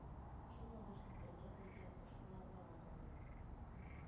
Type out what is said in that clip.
Шул агачны бергә-бергә ушбу арбага салыйк.